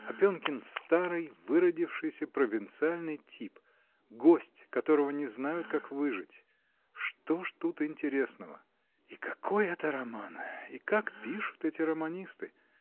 Опенкин — старый, выродившийся провинциальный тип, гость, которого не знают, как выжить: что ж тут интересного? И какой это роман! И как пишут эти романисты?